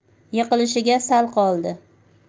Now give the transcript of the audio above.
yiqilishiga sal qoldi